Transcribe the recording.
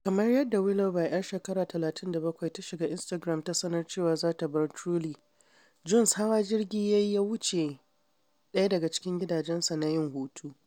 Kamar yadda Willoughby, yar shekaru 37, ta shiga Instagram ta sanar cewa za ta bar Truly, Jones hawa jirgi ya yi ya wuce ɗaya daga cikin gidajensa na yin hutu.